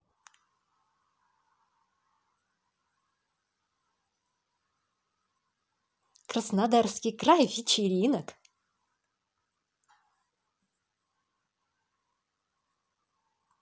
краснодарский край вечеринок